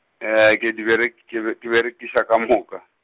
ke di berek-, ke be, ke bere, ke sa ka moka.